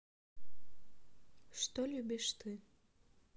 что любишь ты